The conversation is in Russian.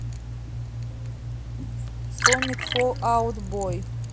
соник фол аут бой